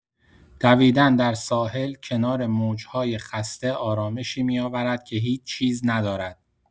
دویدن در ساحل کنار موج‌های خسته آرامشی می‌آورد که هیچ‌چیز ندارد.